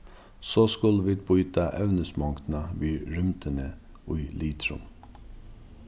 so skulu vit býta evnismongdina við rúmdini í litrum